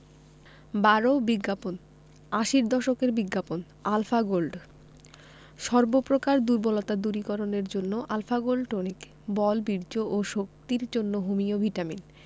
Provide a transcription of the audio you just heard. ১২ বিজ্ঞাপন আশির দশকের বিজ্ঞাপন আলফা গোল্ড সর্ব প্রকার দুর্বলতা দূরীকরণের জন্য আল্ ফা গোল্ড টনিক –বল বীর্য ও শক্তির জন্য হোমিও ভিটামিন